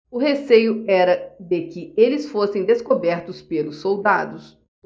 o receio era de que eles fossem descobertos pelos soldados